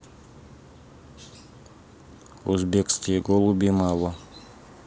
узбекские голуби мало